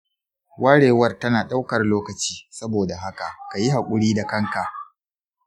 warewar tana ɗaukar lokaci, saboda haka ka yi haƙuri da kanka.